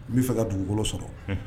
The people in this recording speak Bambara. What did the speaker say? N b' fɛ ka dugukolo sɔrɔ